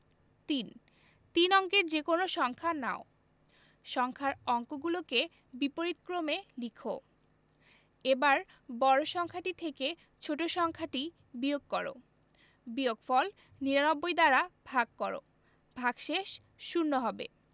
৩ তিন অঙ্কের যেকোনো সংখ্যা নাও সংখ্যার অঙ্কগুলোকে বিপরীতক্রমে লিখ এবার বড় সংখ্যাটি থেকে ছোট সংখ্যাটি বিয়োগ কর বিয়োগফল ৯৯ দ্বারা ভাগ কর ভাগশেষ শূন্য হবে